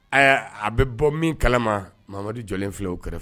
Ɛɛ a bɛ bɔ min kala mamadu jɔlen filɛ o kɛrɛfɛ